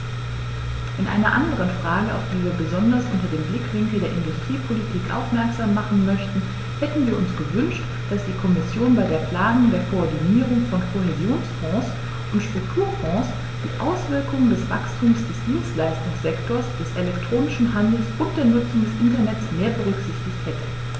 In einer anderen Frage, auf die wir besonders unter dem Blickwinkel der Industriepolitik aufmerksam machen möchten, hätten wir uns gewünscht, dass die Kommission bei der Planung der Koordinierung von Kohäsionsfonds und Strukturfonds die Auswirkungen des Wachstums des Dienstleistungssektors, des elektronischen Handels und der Nutzung des Internets mehr berücksichtigt hätte.